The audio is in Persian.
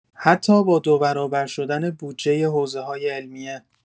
حتی با ۲ برابر شدن بودجۀ حوزه‌های علمیه